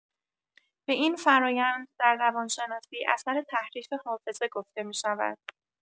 به این فرآیند در روان‌شناسی اثر تحریف حافظه گفته می‌شود.